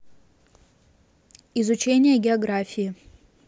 изучение географии